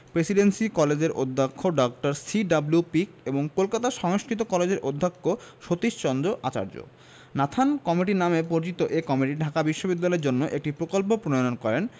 Presidency কলেজের অধ্যাপক C W Peake এবং কলকাতা সংস্কৃত কলেজের অধ্যক্ষ সতীশচন্দ্র আচার্য নাথান কমিটি নামে পরিচিত এ কমিটি ঢাকা বিশ্ববিদ্যালয়ের জন্য একটি প্রকল্প প্রণয়ন করেন